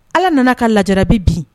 Ala nana ka lajara bɛ bin